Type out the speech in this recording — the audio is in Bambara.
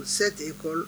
Cette ecole